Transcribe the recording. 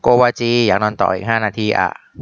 โกวาจีอยากนอนต่ออีกห้านาทีอะ